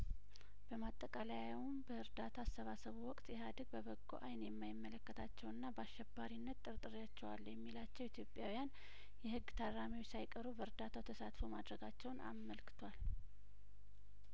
በማጠቃለያውም በእርዳታ አሰባሰቡ ወቅት ኢህአዲግ በበጐ አይን የማይመለከታቸውና በአሸባሪነት ጠርጥሬያቸዋለሁ የሚላቸው ኢትዮጵያውያን የህግ ታራሚዎች ሳይቀሩ በእርዳታው ተሳትፎ ማድረጋቸውን አመልክቷል